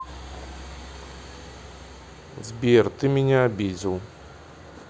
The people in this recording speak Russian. сбер ты меня обидел